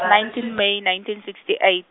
nineteen May nineteen sixty eight.